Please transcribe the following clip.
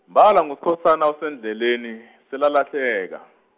mbala nguSkhosana usendleleni selalahleka.